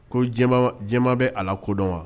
Ko diɲɛmaa, diɲɛmaa bɛ a lakodɔn wa